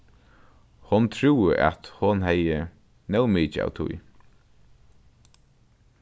hon trúði at hon hevði nóg mikið av tíð